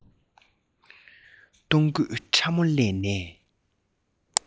སྟོང སྐུད ཕྲ མོ བསླས ནས